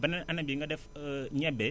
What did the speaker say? beneen année bi nga def ñebe